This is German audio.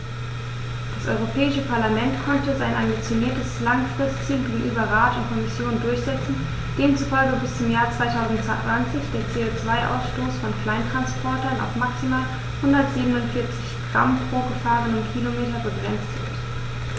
Das Europäische Parlament konnte sein ambitioniertes Langfristziel gegenüber Rat und Kommission durchsetzen, demzufolge bis zum Jahr 2020 der CO2-Ausstoß von Kleinsttransportern auf maximal 147 Gramm pro gefahrenem Kilometer begrenzt wird.